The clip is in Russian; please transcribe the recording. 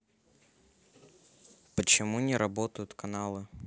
почему не работают каналы